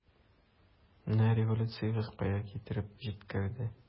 Менә революциягез кая китереп җиткерде!